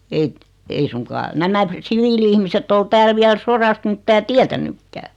ei ei suinkaan nämä siviili-ihmiset ole täällä vielä sodasta mitään tiennytkään